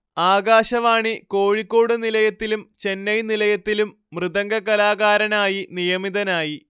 ആകാശവാണി കോഴിക്കോട് നിലയത്തിലും ചെന്നൈ നിലയത്തിലും മൃദംഗകലാകാരനായി നിയമിതനായി